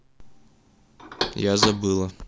я забыла